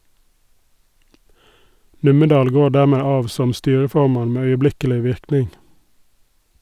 Nummedal går dermed av som styreformann med øyeblikkelig virkning.